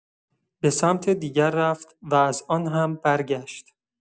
به‌سمت دیگر رفت و از آن هم برگشت.